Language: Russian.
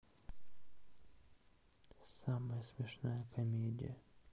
самая смешная комедия